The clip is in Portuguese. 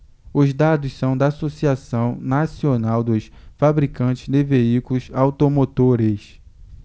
os dados são da anfavea associação nacional dos fabricantes de veículos automotores